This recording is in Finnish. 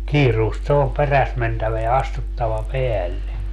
kiireesti se on perässä mentävä ja astuttava päälle